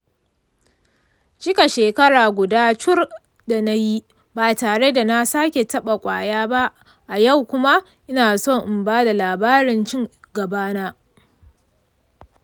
cika shekara guda cur da na yi ba tare da na sake taɓa ƙwaya ba a yau kuma ina son in bada labarin ci gaba na.